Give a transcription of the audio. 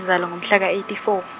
ngomhla ka eighty four.